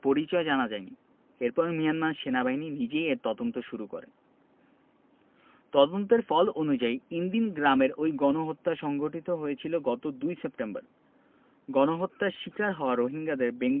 সেখানে ১০টি কঙ্কাল মিললেও তাদের পরিচয় জানা যায়নি এরপর মিয়ানমার সেনাবাহিনী নিজেই এর তদন্ত শুরু করে তদন্তের ফল অনুযায়ী ইনদিন গ্রামের ওই গণহত্যা সংঘটিত হয়েছে গত ২ সেপ্টেম্বর